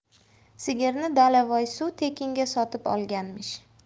sigirni dalavoy suv tekinga sotib olganmish